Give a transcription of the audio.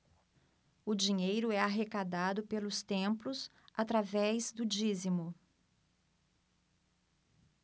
o dinheiro é arrecadado pelos templos através do dízimo